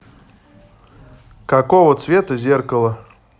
какого цвета зеркало